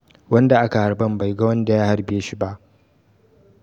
Wanda aka harban baiga wanda ya harbe shi ba.